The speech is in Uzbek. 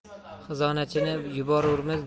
xizonachini yuborurmiz dedi va tanlagan